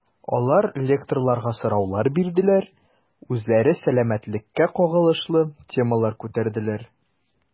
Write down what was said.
Алар лекторларга сораулар бирделәр, үзләре сәламәтлеккә кагылышлы темалар күтәрделәр.